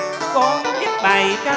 con biết bài ca